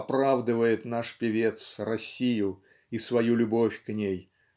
оправдывает наш певец Россию и свою любовь к ней